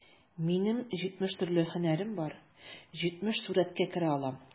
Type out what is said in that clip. Минем җитмеш төрле һөнәрем бар, җитмеш сурәткә керә алам...